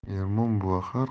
ermon buva har